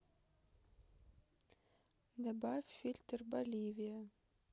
добавь фильтр боливия